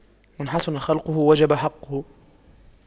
من حسن خُلقُه وجب حقُّه